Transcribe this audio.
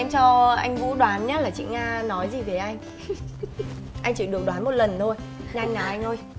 em cho anh vũ đoán nhớ là chị nga nói gì về anh anh chỉ được đoán một lần thôi nhanh nào anh ơi